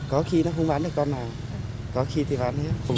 có khi nó không bán được con nào có khi thì bán